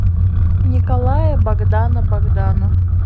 николая богдана богдана